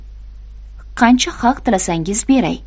qancha haq tilasangiz beray